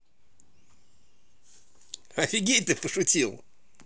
офигеть ты пошутил